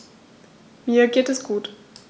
Mir geht es gut.